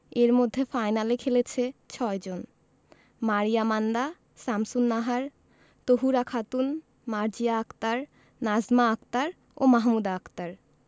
এর মধ্যে ফাইনালে খেলেছে ৬ জন মারিয়া মান্দা শামসুন্নাহার তহুরা খাতুন মার্জিয়া আক্তার নাজমা আক্তার ও মাহমুদা আক্তার